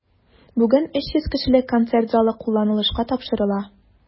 Бүген 300 кешелек концерт залы кулланылышка тапшырыла.